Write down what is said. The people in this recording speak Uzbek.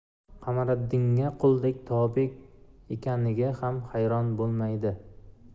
qamariddinga qulday tobe ekaniga xam xayron bulmaydi